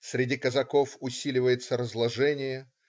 Среди казаков усиливается разложение.